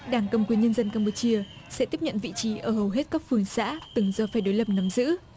đảng cầm quyền nhân dân cam pu chia sẽ tiếp nhận vị trí ở hầu hết các phường xã từng do phe đối lập nắm giữ